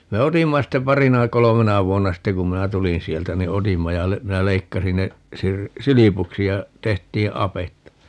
me otimme sitten parina kolmena vuonna sitten kun minä tulin sieltä niin otimme ja - minä leikkasin ne - silpuksi ja tehtiin apetta